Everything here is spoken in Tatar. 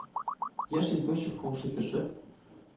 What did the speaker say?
Яшь извозчик, каушый төшеп,